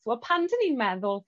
Wel pan 'dyn ni'n meddwl